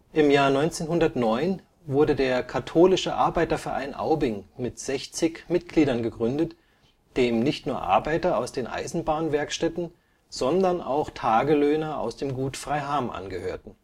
1909 wurde der Katholische Arbeiterverein Aubing mit 60 Mitgliedern gegründet, dem nicht nur Arbeiter aus den Eisenbahnwerkstätten, sondern auch Tagelöhner aus dem Gut Freiham angehörten